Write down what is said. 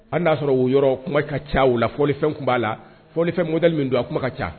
An y'a sɔrɔ o yɔrɔ kuma ka ca la fɔli fɛn tun b'a la fɔli fɛn mɔdali min don a kuma ka ca